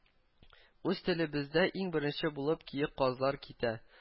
Үз телебездә иң беренче булып “Киек казлар китә”